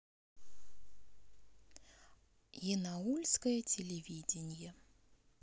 янаульское телевидение